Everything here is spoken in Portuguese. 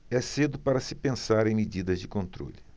é cedo para se pensar em medidas de controle